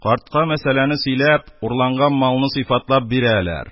Картка мәсьәләне сөйләп, урланган малны сыйфатлап бирәләр.